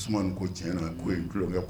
In ko cɛnɲɛna ko dulokɛ